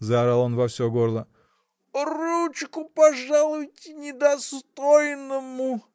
— заорал он во всё горло, — ручку пожалуйте недостойному.